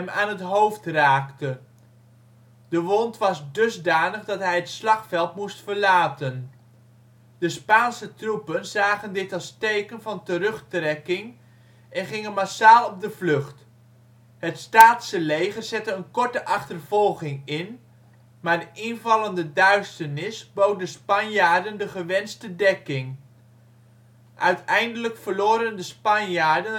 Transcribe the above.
aan het hoofd raakte. De wond was dusdanig dat hij het slagveld moest verlaten. De Spaanse troepen zagen dit als teken van terugtrekking en gingen massaal op de vlucht. Het Staatse leger zette een korte achtervolging in, maar de invallende duisternis bood de Spanjaarden de gewenste dekking. Uiteindelijk verloren de